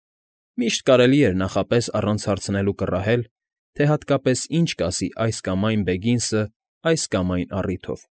Միշտ կարելի էր նախապես առանց հարցնելու կռահել, թե հատկապես ինչ կասի այս կամ այն Բեգինսն այս կամ այն առիթով։